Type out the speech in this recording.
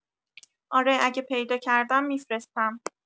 اره اگه پیدا کردم می‌فرستم